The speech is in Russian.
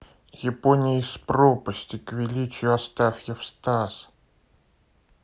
япония из пропасти к величию астафьев стас